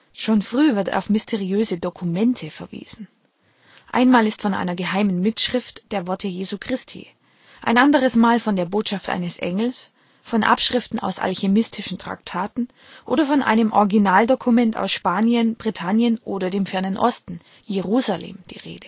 Schon früh wird auf mysteriöse Dokumente verwiesen: Einmal ist von einer geheimen Mitschrift der Worte Jesu Christi, ein anderes Mal von der Botschaft eines Engels, von Abschriften aus alchemistischen Traktaten oder von einem Originaldokument aus Spanien, Britannien oder dem Fernen Osten, Jerusalem, die